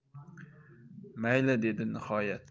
mayli dedi nihoyat